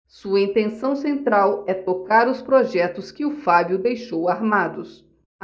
sua intenção central é tocar os projetos que o fábio deixou armados